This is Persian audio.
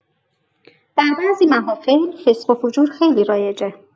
در بعضی محافل، فسق و فجور خیلی رایجه!